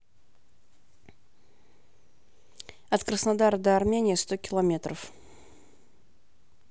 от краснодара до армения сто километров